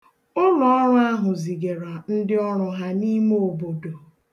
Ụlọọrụ ahụ zigara ndịọrụ ha n'ime obodo